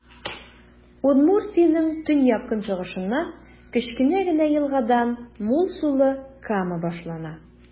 Удмуртиянең төньяк-көнчыгышыннан, кечкенә генә елгадан, мул сулы Кама башлана.